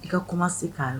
I ka kuma se k'a la